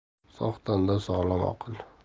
sog' tanda sog'lom aql